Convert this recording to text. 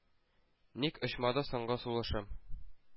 Ник очмады соңгы сулышым,